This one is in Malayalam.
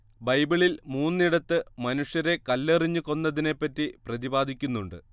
ബൈബിളിൽ മൂന്നിടത്ത് മനുഷ്യരെ കല്ലെറിഞ്ഞ് കൊന്നതിനെപ്പറ്റി പ്രതിപാദിക്കുന്നുണ്ട്